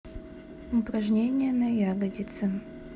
упражнения на ягодицы